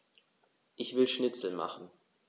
Ich will Schnitzel machen.